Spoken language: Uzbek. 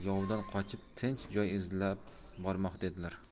qochib tinch joy izlab bormoqda edilar